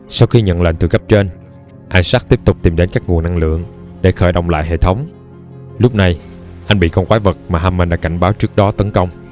sau khi nhận lệnh từ cấp trên isaac tiếp tục tìm đến các nguồn năng lượng để khởi động lại hệ thống lúc này anh bị con quái vật mà hammond đã cảnh báo trước đó tấn công